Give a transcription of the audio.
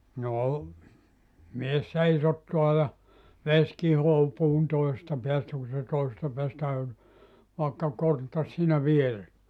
no mies seisottaa ja vesi kihoaa puun toisesta päästä kun se toisesta päästä - vaikka konttasi siinä vieressä